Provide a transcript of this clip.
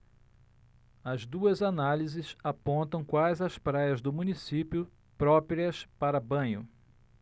as duas análises apontam quais as praias do município próprias para banho